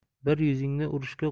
bir yuzingni urushga